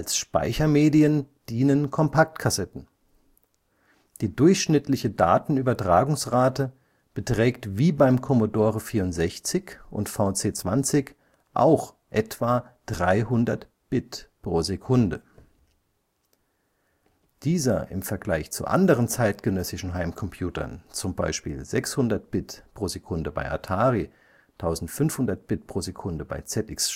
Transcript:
Speichermedien dienen Kompaktkassetten. Die durchschnittliche Datenübertragungsrate beträgt wie bei Commodore 64 und VC 20 auch etwa 300 Bit/s. Dieser im Vergleich zu anderen zeitgenössischem Heimcomputern (600 Bit/s bei Atari-Heimcomputern, 1500 Bit/s bei ZX Spectrum